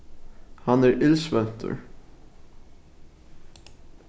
hann er illsvøvntur